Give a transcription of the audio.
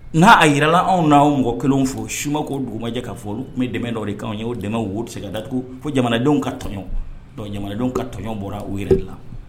N'a a jirala anw n'a mɔgɔ kelen fɔ suma ko dugu majɛ ka fɔ ni dɛmɛ dɔw de kan ye o dɛmɛ wo segin ka datugu fo jamanadenw ka tɔn jamanadenw ka tɔnɔn bɔra u yɛrɛ dilan